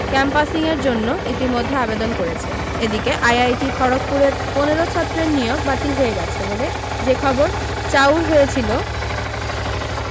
campusing এর জন্য ইতিমধ্যে আবেদন করেছে এদিকে আইআইটি খড়গপুরের পনের ছাত্রের নিয়োগ বাতিল হয়েগেছে বলে যে খবর চাউর হয়েছিলো